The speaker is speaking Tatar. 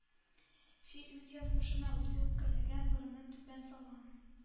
Фил үз язмышына үзе үпкәләгән, борынын түбән салган.